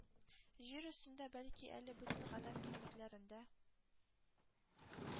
Җир өстендә, бәлки әле бөтен Галәм киңлекләрендә